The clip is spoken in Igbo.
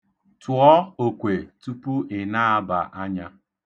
Tụọ okwe tupu ị na-aba anya!